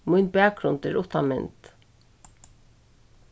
mín bakgrund er uttan mynd